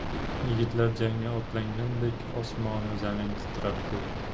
yigitlar jangga otlanganda osmonu zamin titrabdi